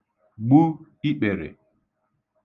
gbu ikpèrè